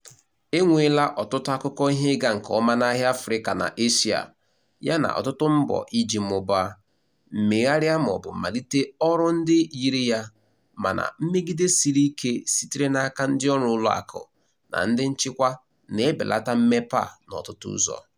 E nweela ọtụtụ akụkọ ihe ịga nke ọma n'ahịa Afrịka na Asia, yana ọtụtụ mbọ iji mụbaa, megharịa maọbụ malite ọrụ ndị yiri ya, mana mmegide siri ike sitere n'aka ndịọrụ ụlọakụ na ndị nchịkwa na-ebelata mmepe a n'ọtụtụ ụzọ.